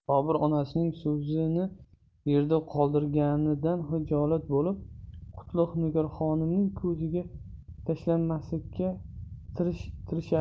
bobur onasining so'zini yerda qoldirganidan xijolat bo'lib qutlug' nigor xonimning ko'ziga tashlanmaslikka tirishardi